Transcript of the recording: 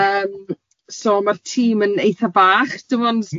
Yym so ma'r tîm yn eitha bach, dim ond... M-hm.